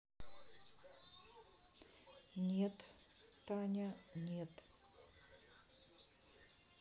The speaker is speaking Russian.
нет таня нет